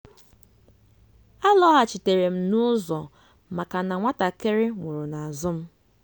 "Alọghachitere m n'ụzọ maka na nwatakịrị nwụrụ n'azụ m."